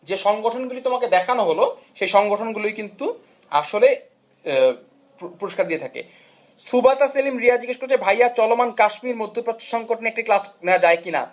সংগঠনগুলি তোমাকে দেখানো হলো সে সংগঠনগুলি কিন্তু আসলে পুরস্কার দিয়ে থাকে সুবাতা সেলিম রিয়া জিজ্ঞেস করেছে ভাইয়া চলমান কাশ্মীর মধ্যপ্রাচ্য সংকট নিয়ে একটা ক্লাস নেয়া যায় কিনা